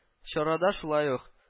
Чарада шулай ук